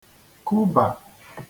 kubà